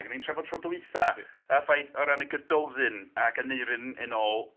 Oedden ni'n trafod tro dwytha a'r ffaith... o ran Y Gododdin Ac Aneirin yn ôl...